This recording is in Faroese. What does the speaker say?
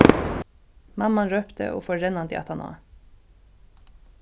mamman rópti og fór rennandi aftaná